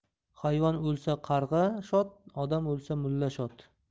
hayvon o'lsa qarg'a shod odam o'lsa mulla shod